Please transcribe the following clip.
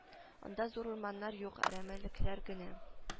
Анда зур урманнар юк әрәмәлекләр генә